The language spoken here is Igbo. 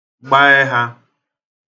gba ẹhā